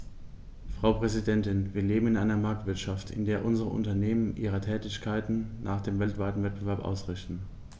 Frau Präsidentin, wir leben in einer Marktwirtschaft, in der unsere Unternehmen ihre Tätigkeiten nach dem weltweiten Wettbewerb ausrichten.